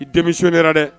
I denmisɛnwmi yɛrɛyara dɛ